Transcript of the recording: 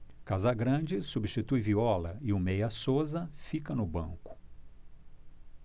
casagrande substitui viola e o meia souza fica no banco